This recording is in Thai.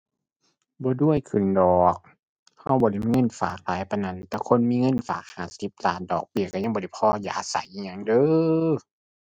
บ่รวยขึ้นดอก เราบ่ได้มีเงินฝากหลายปานนั้น แต่คนมีเงินฝากห้าสิบล้าน ดอกเบี้ยเรายังบ่ได้พอยาไส้อิหยังเด้อ